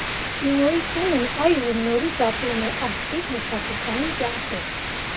Կինոյի տունն այժմ նորից ապրում է ակտիվ մշակութային կյանքով։